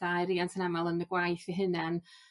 ddau riant yn amal yn y gwaith 'u hunan